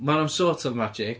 Maen nhw'n sort of magic.